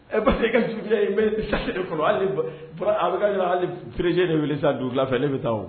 E basi e ka juguyabiya in bɛ sa fɔlɔ a bɛ alierejɛ de wili s duguwula fɛ ne bɛ taa